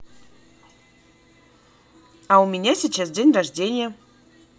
а у меня сейчас день рождения